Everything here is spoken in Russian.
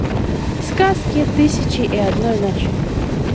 сказки тысячи и одной ночи